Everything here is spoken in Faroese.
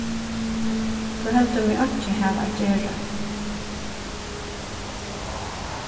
tú heldur meg einki hava at gera